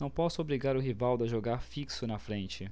não posso obrigar o rivaldo a jogar fixo na frente